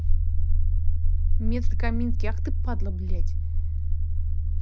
метод комински ах ты падла блядь